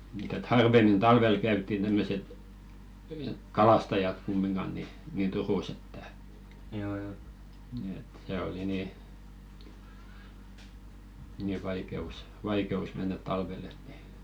mutta että harvemmin talvella käytiin tämmöiset kalastajat kumminkaan niin niin Turussa että että se oli niin niin vaikeus vaikeus mennä talvella että niin